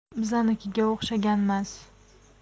bizanikiga o'xshaganmas